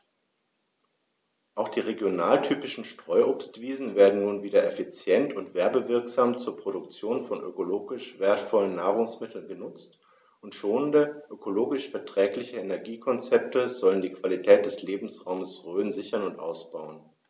Auch die regionaltypischen Streuobstwiesen werden nun wieder effizient und werbewirksam zur Produktion von ökologisch wertvollen Nahrungsmitteln genutzt, und schonende, ökologisch verträgliche Energiekonzepte sollen die Qualität des Lebensraumes Rhön sichern und ausbauen.